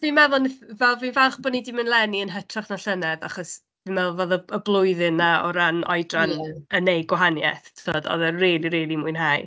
Fi'n meddwl wnaeth... fel, fi falch bod ni 'di mynd leni yn hytrach na llynedd, achos fi'n meddwl fydde b- y blwyddyn 'na o ran oedran... Ie. ...yn wneud gwahaniaeth, tibod? Oedd e'n rili, rili mwynhau.